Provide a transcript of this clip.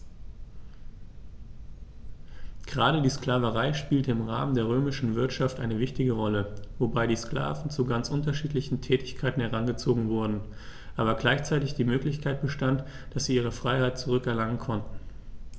Gerade die Sklaverei spielte im Rahmen der römischen Wirtschaft eine wichtige Rolle, wobei die Sklaven zu ganz unterschiedlichen Tätigkeiten herangezogen wurden, aber gleichzeitig die Möglichkeit bestand, dass sie ihre Freiheit zurück erlangen konnten.